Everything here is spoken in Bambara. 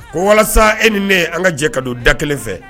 Ko walasa e ni ne an ka jɛ ka don da kelen fɛ